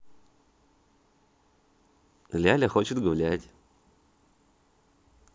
ляля хочет гулять